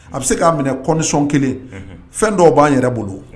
A bɛ se k'a minɛsɔn kelen fɛn dɔw b'a yɛrɛ bolo